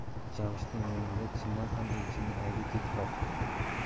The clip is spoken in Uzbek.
u jamshidning o'limida chindan ham elchinni aybli deb topdi